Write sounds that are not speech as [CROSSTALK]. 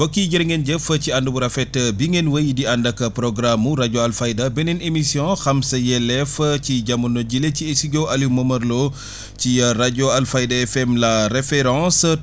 mbokk yi jërê ngeen jëf ci ànd gu rafet bi ngeen wéy di ànd ak programme mu rajo Alfayda beneen émission xam sa yelleef ci jamono ji le ci studio Aliou Momar Lo [BREATH] ci rajo Alfayda FM la référence